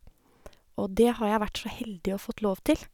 Og det har jeg vært så heldig og fått lov til.